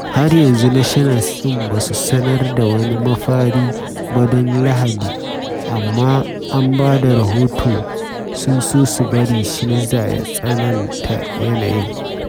Har yanzu Nationals ɗin ba su sanar da wani mafari ba don Lahadi amma an ba da rahoto sun so su bari Scherzer ya tsananta yanayin.